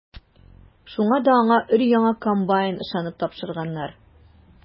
Шуңа да аңа өр-яңа комбайн ышанып тапшырганнар.